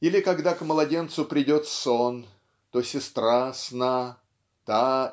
Или когда к младенцу придет сон то сестра сна та